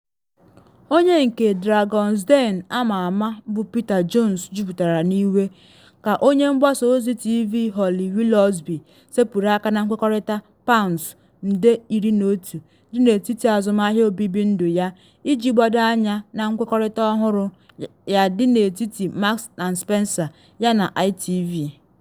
Onye nke Dragons Den ama ama bụ Peter Jones juputara ‘n’iwe’ ka onye mgbasa ozi TV Holly Willoughby sepụrụ aka na nkwekọrịta £11million dị n’etiti azụmahịa obibi ndụ ya iji gbado anya na nkwekọrịta ọhụrụ ya dị n’etiti Marks and Spencer yana ITV